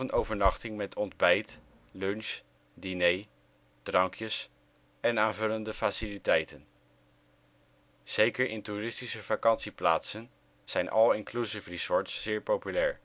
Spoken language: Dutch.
overnachting met ontbijt, lunch, diner, drankjes en aanvullende faciliteiten (all inclusive). Zeker in toeristische vakantieplaatsen zijn all inclusive resorts zeer populair